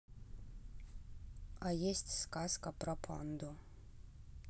а есть сказка про панду